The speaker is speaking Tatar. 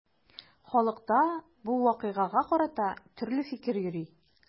Халыкта бу вакыйгага карата төрле фикер йөри.